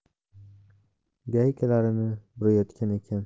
gaykalarini burayotgan ekan